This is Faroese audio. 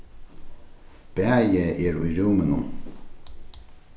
bæði eru í rúminum